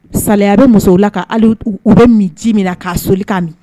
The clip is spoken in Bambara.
Sa a bɛ muso la ka u bɛ min ji min k'a soli ka min